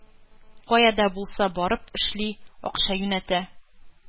Кая да булса барып эшли, акча юнәтә.